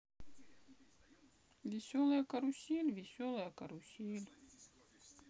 веселая карусель веселая карусель